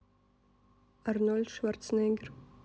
арнольд шварценеггер